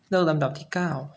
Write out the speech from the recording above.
เลือกลำดับที่เก้า